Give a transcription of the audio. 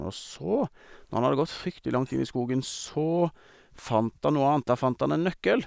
Og så, når han hadde gått fryktelig langt inn i skogen, så fant han noe annet, da fant han en nøkkel.